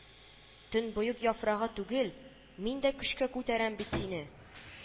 Төнбоек яфрагы түгел, мин дә көчкә күтәрәм бит сине